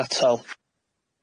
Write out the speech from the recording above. A tâl.